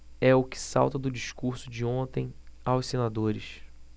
é o que salta do discurso de ontem aos senadores